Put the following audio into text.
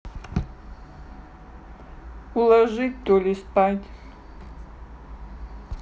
уложить то ли спать